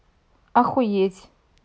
охуеть